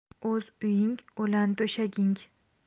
o'z uying o'lan to'shaging